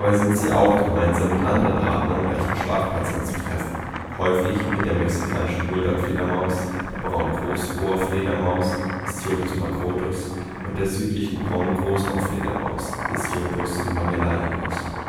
sind sie auch gemeinsam mit anderen Arten am gleichen Schlafplatz anzutreffen, häufig mit der Mexikanischen Bulldoggfledermaus, der Braunen Großohrfledermaus (Histiotus macrotus) und der Südlichen Braunen Großohrfledermaus (Histiotus magellanicus